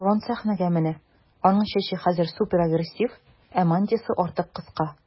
Рон сәхнәгә менә, аның чәче хәзер суперагрессив, ә мантиясе артык кыска.